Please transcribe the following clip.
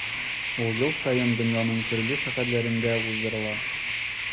Ул ел саен дөньяның төрле шәһәрләрендә уздырыла.